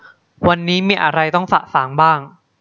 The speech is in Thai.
วันนี้มีอะไรต้องสะสางบ้าง